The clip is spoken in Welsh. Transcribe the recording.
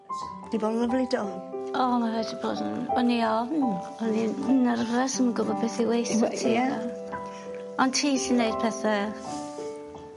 'Di bod yn lyfli do? O ma' fe 'di bod yn... O'n i ofn o'n i'n nerfys 'im yn gwbo beth i waetho ti. ia? Ond ti sy neud pethe